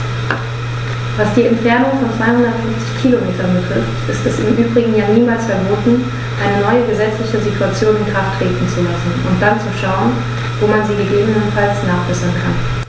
Was die Entfernung von 250 Kilometern betrifft, ist es im Übrigen ja niemals verboten, eine neue gesetzliche Situation in Kraft treten zu lassen und dann zu schauen, wo man sie gegebenenfalls nachbessern kann.